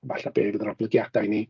Falle be fydd yr oblygiadau i ni.